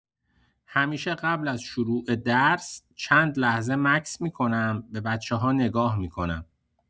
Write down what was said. همیشه قبل از شروع درس، چند لحظه مکث می‌کنم، به بچه‌ها نگاه می‌کنم.